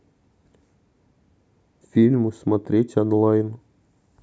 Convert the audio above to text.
фильмы смотреть онлайн